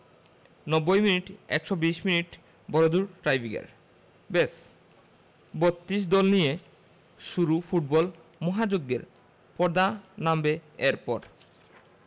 ৯০ minute ১২০ minute বড়জোর tiebreaker ব্যস ৩২ দল নিয়ে শুরু ফুটবল মহাযজ্ঞের পর্দা নামবে এরপর